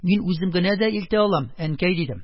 Мин үзем генә дә илтә алам, әнкәй, - дидем.